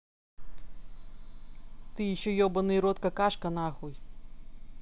ты еще ебаный рот какашка нахуй